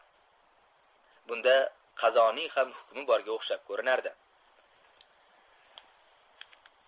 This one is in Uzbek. bunda qazoning ham hukmi borga o'xshab ko'rinardi